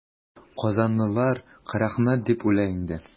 Казанлылар Карәхмәт дип үлә инде.